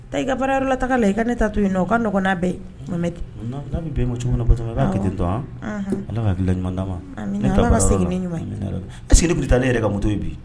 Taa i ka baarayɔrɔla taga la i ka ne ta to yen nɔ o ka nɔgɔn n'aa bɛɛ ye Momɛdi naa na bɛ bɛ i ma cogo minna Batoma i b'a kɛ tenni tɔ an unhun Ala ka hakilina ɲuma d'an ma amina ne bɛ fɛ ka taa barakɛ yɔrɔ la Ala ka segin n'i ɲuman ye amina yaarabi est-ce que ne kun tɛ taa ni n'ee yɛrɛ ka moto ye bi